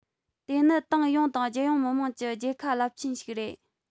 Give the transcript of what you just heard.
དེ ནི ཏང ཡོངས དང རྒྱལ ཡོངས མི དམངས ཀྱི རྒྱལ ཁ རླབས ཆེན ཞིག རེད